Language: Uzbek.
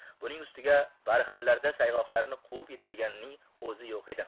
buning ustiga barxanlarda sayg'oqlami quvib yetadiganning o'zi yo'q edi